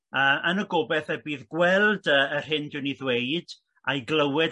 yy yn gobeth y bydd gweld yy yr hyn dwi'n ei ddweud a'i glywed e'r